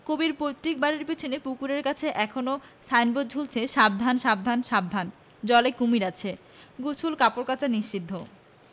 কবির পৈতৃক বাড়ির পেছনে পুকুরের কাছে এখনো সাইনবোর্ড ঝুলছে সাবধান সাবধান সাবধান জলে কুমীর আছে গোসল কাপড় কাচা নিষিদ্ধ